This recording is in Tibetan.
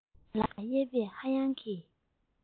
ལག གཡས པས ཧ ཡང གི